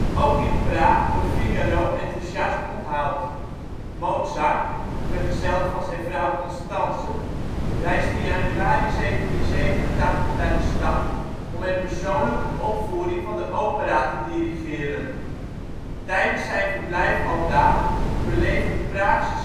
Ook in Praag wordt ' Figaro ' enthousiast onthaald. Mozart, vergezeld van zijn vrouw Constanze, reist in januari 1787 naar de stad om er persoonlijk een opvoering van de opera te dirigeren. Tijdens zijn verblijf aldaar beleeft de " Praagse